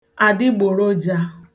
àdịgbòrojā